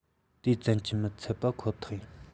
དེ ཙམ གྱིས མི ཚད པ ཁོ ཐག ཡིན